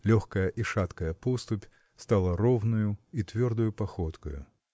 Легкая и шаткая поступь стала ровною и твердою походкою.